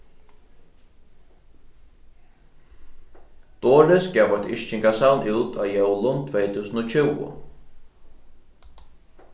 doris gav eitt yrkingasavn út á jólum tvey túsund og tjúgu